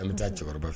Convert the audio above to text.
An bɛ taa cɛkɔrɔba fɛ